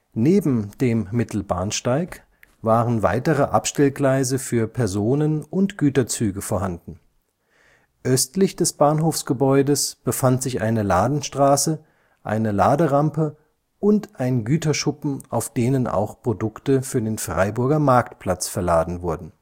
Neben dem Mittelbahnsteig waren weitere Abstellgleise für Personen - und Güterzüge vorhanden. Östlich des Bahnhofsgebäudes befand sich eine Ladestraße, eine Laderampe und ein Güterschuppen auf denen auch Produkte für den Freiburger Marktplatz verladen wurden